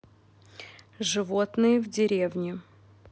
животные в деревне